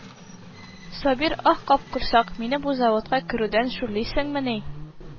Сабир: «Ах, капкорсак, минем бу заводка керүдән шүрлисеңмени